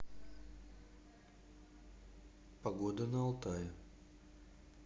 погода на алтае